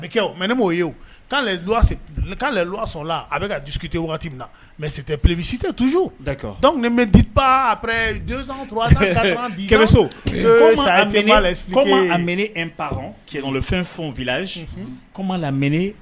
Mɛ a dusu min na mɛsi tɛbisi tɛ tuso saya fɛn fɛn